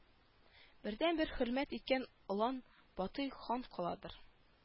Бердәнбер хөрмәт иткән олан батый хан каладыр